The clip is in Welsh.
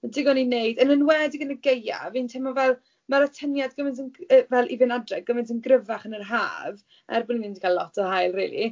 Digon i wneud yn enwedig yn y gaeaf fi'n teimlo. Fel, mae'r atyniad gymaint yn gry- yy fel i fynd adre gymaint yn gryfach yn yr haf, er bod ni'm 'di cael lot o haul rili.